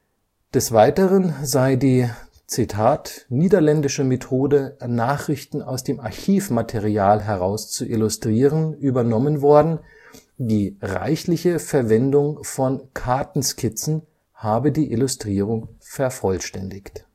des Weiteren sei die „ niederländische Methode, Nachrichten aus dem Archivmaterial heraus zu illustrieren “, übernommen worden, die „ reichliche Verwendung von Kartenskizzen “habe die Illustrierung vervollständigt